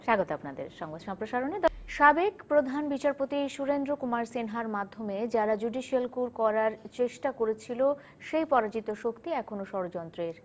স্বাগত আপনাদের সংবাদ সম্প্রসারণে সাবেক প্রধান বিচারপতি সুরেন্দ্র কুমার সিনহার মাধ্যমে যারা জুডিশিয়াল ক্যু করার চেষ্টা করেছিল সেই পরাজিত শক্তি এখনো ষড়যন্ত্রের